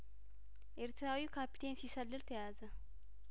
ኤርትራዊው ካፒቴን ሲሰልል ተያዘ